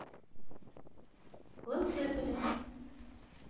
лед зепелин